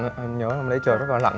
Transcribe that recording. nhớ hôm đấy trời rất là lạnh